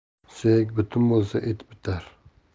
suyak butun bo'lsa et bitar